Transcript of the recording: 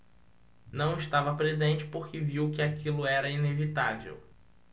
não estava presente porque viu que aquilo era inevitável